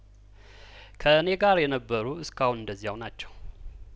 ከእኔ ጋር የነበሩ እስካሁን እንደዚያው ናቸው